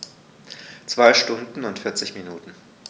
2 Stunden und 40 Minuten